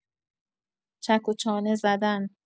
چک و چانه‌زدن